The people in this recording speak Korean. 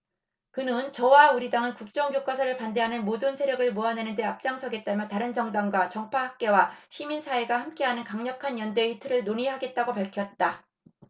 그는 저와 우리 당은 국정교과서를 반대하는 모든 세력을 모아내는 데 앞장서겠다며 다른 정당과 정파 학계와 시민사회가 함께하는 강력한 연대의 틀을 논의하겠다고 밝혔다